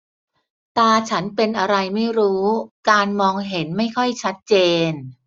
ตาฉันเป็นอะไรไม่รู้การมองเห็นไม่ค่อยชัดเจน